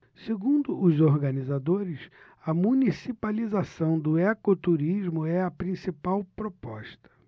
segundo os organizadores a municipalização do ecoturismo é a principal proposta